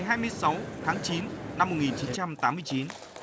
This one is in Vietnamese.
hai mươi sáu tháng chín năm một nghìn chín trăm tám mươi chín